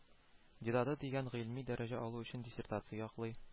Дидаты дигән гыйльми дәрәҗә алу өчен диссертация яклый